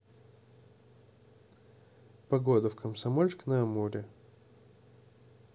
погода в комсомольск на амуре